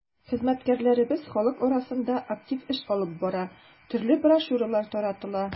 Хезмәткәрләребез халык арасында актив эш алып бара, төрле брошюралар таратыла.